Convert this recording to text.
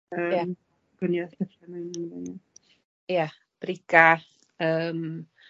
yym. Ia. Gwanieth . Ia, briga' yym